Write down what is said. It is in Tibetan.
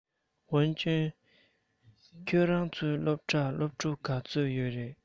ཝུན ཅུན ཁྱོད རང ཚོའི སློབ གྲྭར སློབ ཕྲུག ག ཚོད ཡོད རེད